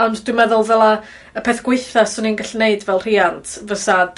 ond dwi'n meddwl ddyla y peth gwaetha swn i'n gallu neud fel rhiant fysa